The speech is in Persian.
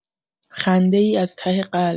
خنده‌ای از ته قلب